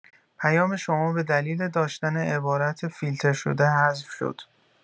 پیام شما به دلیل داشتن عبارت فیلتر شده حذف شد!